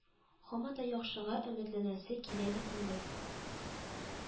Һаман да яхшыга өметләнәсе килә бит инде